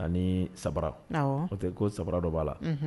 Ani sabara, awɔ, n'o tɛ ko samara dɔ b'a la, unhun.